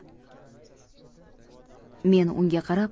men unga qarab